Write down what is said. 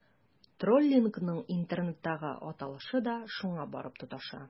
Троллингның интернеттагы аталышы да шуңа барып тоташа.